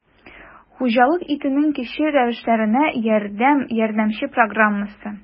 «хуҗалык итүнең кече рәвешләренә ярдәм» ярдәмче программасы